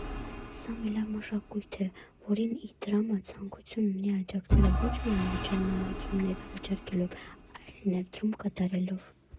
Սա մի լավ մշակույթ է, որին Իդրամը ցանկություն ունի աջակցել ոչ միայն վճարման լուծումներ առաջարկելով, այլ ներդրում կատարելով։